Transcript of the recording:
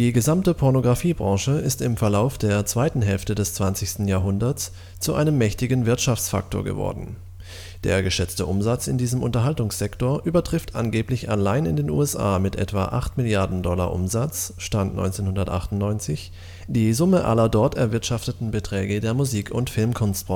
gesamte Pornografie-Branche ist im Verlauf der zweiten Hälfte des 20. Jahrhunderts zu einem mächtigen Wirtschaftsfaktor geworden. Der geschätzte Umsatz in diesem Unterhaltungssektor übertrifft angeblich allein in den USA mit etwa acht Milliarden Dollar Umsatz (Stand 1998) die Summe aller dort erwirtschafteten Beträge der Musik - und Filmkunst-Branche